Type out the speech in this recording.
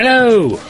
Helo!